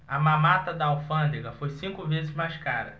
a mamata da alfândega foi cinco vezes mais cara